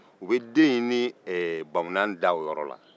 u bɛ den in ni bamunan da o yɔrɔ la